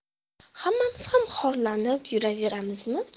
hammamiz ham xorlanib yuraveramizmi